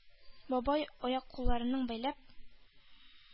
Бабай, аяк-кулларын бәйләп,